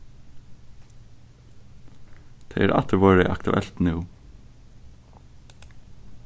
tað er aftur vorðið aktuelt nú